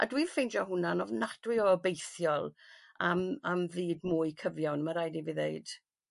a dwi'n ffendio hwnna yn ofnadwy o obeithiol am am fyd mwy cyfiawn ma' raid i fi ddeud.